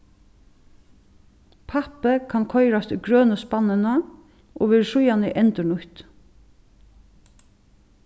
pappið kann koyrast í grønu spannina og verður síðani endurnýtt